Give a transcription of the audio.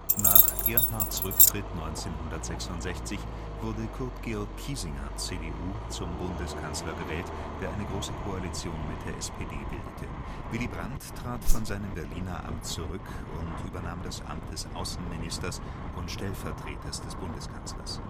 Nach Erhards Rücktritt 1966 wurde Kurt Georg Kiesinger (CDU) zum Bundeskanzler gewählt, der eine Große Koalition mit der SPD bildete. Willy Brandt trat von seinem Berliner Amt zurück und übernahm das Amt des Außenministers und Stellvertreter des Bundeskanzlers